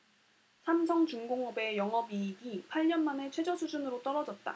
삼성중공업의 영업이익이 팔 년 만에 최저수준으로 떨어졌다